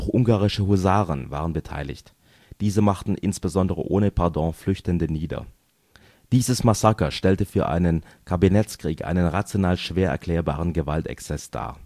ungarische Husaren waren beteiligt. Diese machten insbesondere ohne Pardon Flüchtende nieder. Dieses Massaker stellt für einen Kabinettskrieg einen rational schwer erklärbaren Gewaltexzess dar